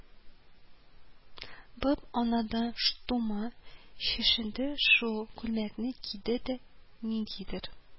Бып, анадан тума чишенде, шул күлмәкне киде дә ниндидер